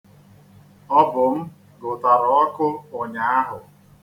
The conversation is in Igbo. Ọ bụ m gụtara ọkụ ụnyaahụ.